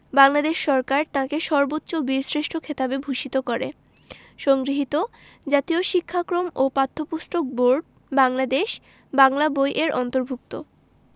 বাংলাদেশ সরকার তাঁকে সর্বোচ্চ বীরশ্রেষ্ঠ খেতাবে ভূষিত করে সংগৃহীত জাতীয় শিক্ষাক্রম ও পাঠ্যপুস্তক বোর্ড বাংলাদেশ বাংলা বই এর অন্তর্ভুক্ত